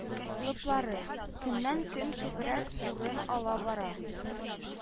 Лыплары) көннән-көн күбрәк урын ала бара